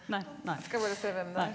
nei nei nei.